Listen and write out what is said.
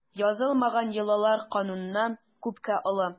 Язылмаган йолалар кануннан күпкә олы.